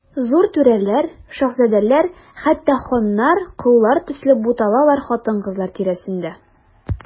Зур түрәләр, шаһзадәләр, хәтта ханнар, коллар төсле буталалар хатын-кызлар тирәсендә.